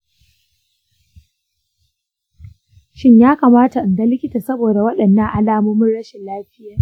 shin ya kamata in ga likita saboda waɗannan alamomin rashin lafiyar?